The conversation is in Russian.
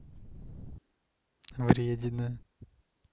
вредина